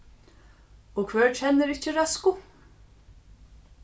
og hvør kennir ikki røsku